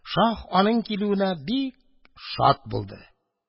Шаһ аның килүенә бик шат булды.